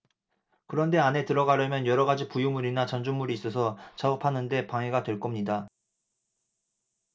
그런데 안에 들어가려면 여러 가지 부유물이나 잔존물이 있어서 작업하는 데 방해가 될 겁니다